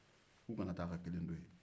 u kana taa ka kelen to yan